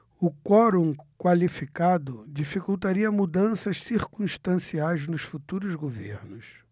o quorum qualificado dificultaria mudanças circunstanciais nos futuros governos